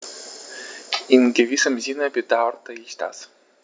In gewissem Sinne bedauere ich das.